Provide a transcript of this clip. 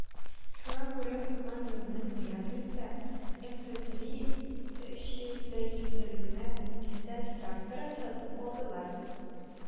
Шуңа күрә узган елның ноябрендә МТЗ 320 универсаль тракторын сатып алдылар.